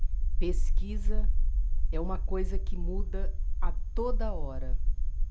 pesquisa é uma coisa que muda a toda hora